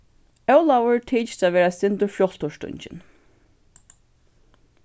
ólavur tykist at vera eitt sindur fjálturstungin